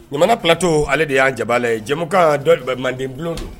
Jamanamana patɔ ale de y'an jabala ye jamukan dɔ bɛ manden bulon don